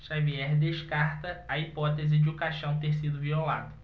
xavier descarta a hipótese de o caixão ter sido violado